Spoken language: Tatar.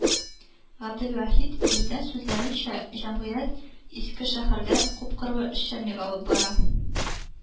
Габделвахит Ирдән сүзләренчә, җәмгыять Искешәһәрдә күпкырлы эшчәнлек алып бара